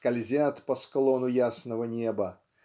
скользят по склону ясного неба